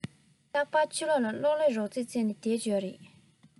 རྟག པར ཕྱི ལོག ལ གློག ཀླད རོལ རྩེད རྩེད ནས སྡོད ཀྱི ཡོད རེད